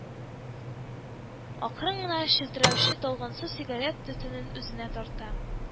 Акрын гына челтерәүче талгын су сигарет төтенен үзенә тарта